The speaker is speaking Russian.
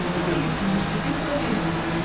Прикажите ему сидеть на месте.